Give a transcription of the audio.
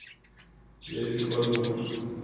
я еще подумаю